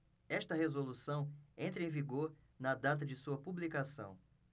esta resolução entra em vigor na data de sua publicação